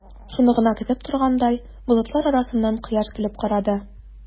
Шуны гына көтеп торгандай, болытлар арасыннан кояш көлеп карады.